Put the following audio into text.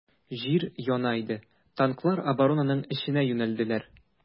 Җир яна иде, танклар оборонаның эченә юнәлделәр.